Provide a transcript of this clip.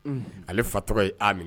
Ale fa tɔgɔ ye' minɛ